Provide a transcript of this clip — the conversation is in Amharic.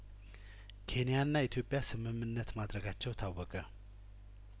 ኬንያና ኢትዮጵያ ስምምነት ማድረጋቸው ታወቀ